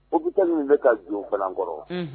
O bɛta min bɛ ka jɔn kalan kɔrɔ